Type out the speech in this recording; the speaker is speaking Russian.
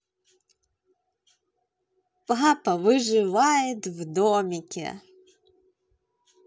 папа выживает в домике